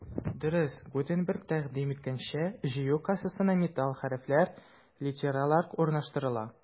Дөрес, Гутенберг тәкъдим иткәнчә, җыю кассасына металл хәрефләр — литералар урнаштырыла.